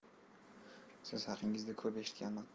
siz haqingizda ko'p eshitganman